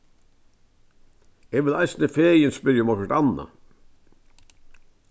eg vil eisini fegin spyrja um okkurt annað